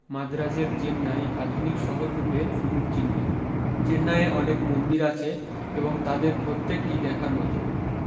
মাদ্রাজের চেন্নাই আধুনিক শহর রূপে শুরুর চিহ্ন চেন্নাইে অনেক মন্দির আছে এবং তাদের প্রত্যেকটি দেখার মত